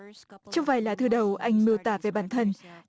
trong vài lá thư đầu anh miêu tả về bản thân